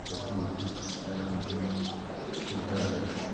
###felly yym os welwch yn dda te.